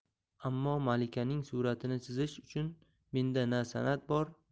ammo malikaning suratini chizish uchun menda na